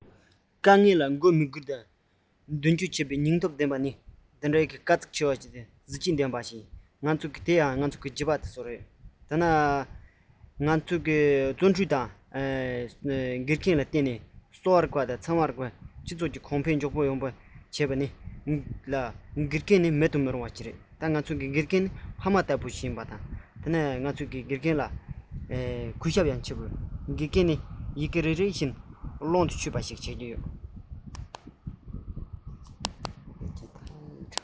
དཀའ ངལ ལ མགོ མི སྒུར བ མདུན སྐྱོད བྱེད པའི སྙིང སྟོབས ཕྱག ལས ནི འདི འདྲའི དཀའ ཚེགས ཆེ གཟི བརྗིད ལྡན པ ཞིག ཡིན ང ཚོ ལོ ཆུང བྱིས པ ཡིན སྤྱི ཚོགས ལས རིགས ཁག མང པོ ལས རིགས ཁག གི མི ཚང མ གུས བཀུར དང སློབ སྦྱོང སློབ སྦྱོང ལ འབད པ ལྡབ བརྒྱ བྱ མིང དོན མཚུངས པའི མི དམངས མི དམངས ཀྱི དགེ རྒན བཟང པོ ཞིག བྱ རྒྱུའི དམ བཅའ དམ བཅའ རྡོ ལ རི མོ བརྐོས པ ལྟར ང ཡི དགེ རྒན འཇིག རྟེན ཐོག གི གསོ བ རིག པ མཁས ཅན ཚན རིག མཁས ཅན ཚང མ མཁས པ ཆགས པའི རྒྱུ མཚན དགེ རྒན དང བརྩོན འགྲུས བརྩོན འགྲུས ལ བརྟེན པས ཡིན གསོ བ རིག པ དང ཚན རིག མཁས ཅན སྤྱི ཚོགས གོང འཕེལ མགྱོགས པོ དགེ རྒན ནི མེད དུ མི རུང བ ཡིན དགེ རྒན དང པོ དེ ནི ཕ མ ཡིན མི ཚོགས དཀྱིལ དུ འགྲོ སྡོད བྱེད མི གཞན ལ གུས ཞབས བྱེད ཚུལ གལ ཆེན གནས ལུགས སློབ གྲྭའི དགེ རྒན ཡིན ཡི གེ ཚིག རེ རེ བཞིན ཀློག ཁོང དུ ཆུད པ བྱེད ཀྱི ཡོད